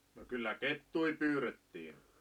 no kyllä kettuja pyydettiin